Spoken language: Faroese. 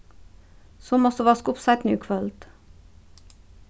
so mást tú vaska upp seinni í kvøld